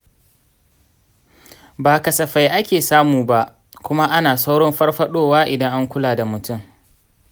ba kasafai ake suma ba, kuma ana saurin farfaɗowa idan an kula da mutum.